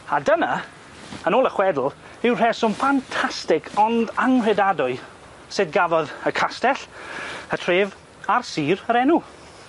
A dyna, yn ôl y chwedl, yw'r rheswm ffantastig ond anghredadwy sud gafodd y castell y tref, a'r sir yr enw.